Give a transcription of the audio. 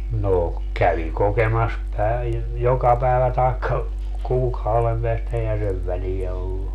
no kävi kokemassa - joka päivä tai kuukauden päästä eihän sen väliä ollut